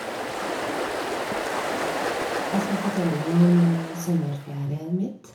Jeg skal fortelle om sommerferien mitt.